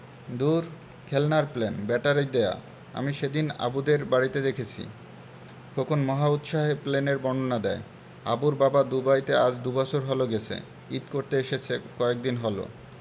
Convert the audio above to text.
দূর খেলনার plane battery দেয়া আমি সেদিন আবুদের বাড়িতে দেখেছি খোকন মহা উৎসাহে প্লেনের বর্ণনা দেয় আবুর বাবা দুবাইতে আজ দুবছর হলো গেছে ঈদ করতে এসেছে কয়েকদিন হলো